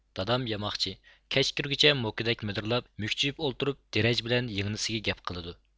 دادام ياماقچى كەچ كىرگۈچە موكىدەك مىدىرلاپ مۈكچىيىپ ئولتۇرۇپ دىرەج بىلەن يىڭنىسىگە گەپ قىلىدۇ